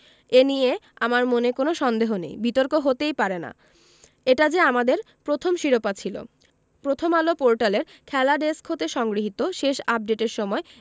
এ নিয়ে আমার মনে কোনো সন্দেহ নেই বিতর্ক হতেই পারে না এটা যে আমাদের প্রথম শিরোপা ছিল প্রথমআলো পোর্টালের খেলা ডেস্ক হতে সংগৃহীত শেষ আপডেটের সময়